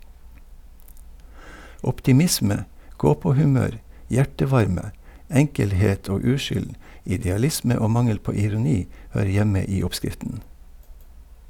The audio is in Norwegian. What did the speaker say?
Optimisme, gåpåhumør, hjertevarme, enkelhet og uskyld, idealisme og mangel på ironi, hører hjemme i oppskriften.